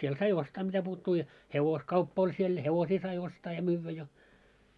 siellä sai ostaa mitä puuttuu ja hevoskauppa oli siellä ja hevosia sai ostaa ja myydä ja